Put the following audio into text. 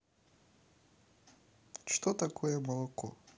что такое молоко